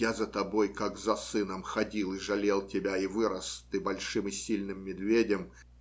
я за тобой, как за сыном, ходил и жалел тебя, и вырос ты большим и сильным медведем